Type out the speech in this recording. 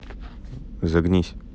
загнись